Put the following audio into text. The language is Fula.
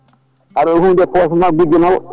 aɗa waɗa hunde e poche ma gujjo nawa